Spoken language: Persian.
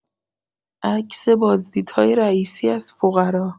عکس بازدیدهای رییسی از فقرا